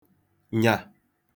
nyà